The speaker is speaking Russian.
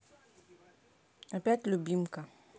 опять любимка